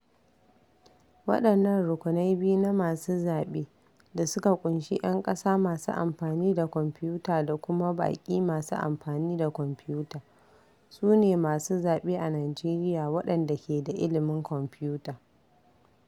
Waɗannan rukunai biyu na masu zaɓe, da suka ƙunshi 'yan ƙasa masu amfani da kwamfuta da kuma baƙi masu amfani da kwamfuta, su ne masu zaɓe a Nijeriya waɗanda ke da ilimin kwamfuta.